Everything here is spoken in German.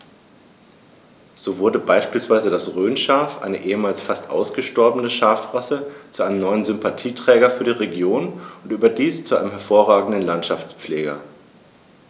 So wurde beispielsweise das Rhönschaf, eine ehemals fast ausgestorbene Schafrasse, zu einem neuen Sympathieträger für die Region – und überdies zu einem hervorragenden Landschaftspfleger.